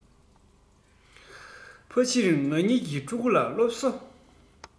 ཕལ ཕྱིར ང གཉིས ཀྱི ཕྲུ གུ ལ སློབ གསོ